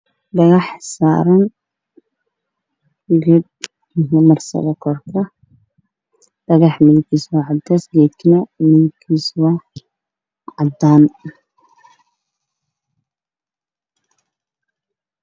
Dhagax saaran geed la marsado korka dhagaxa midabkiisa waa cadays geedkane midabkiisa waa cadaan.